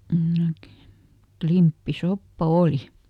en minä tiedä klimppisoppa oli